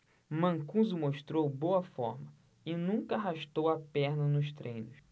mancuso mostrou boa forma e nunca arrastou a perna nos treinos